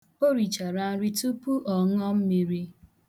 O richara nri tupu ọ ṅụọ mmiri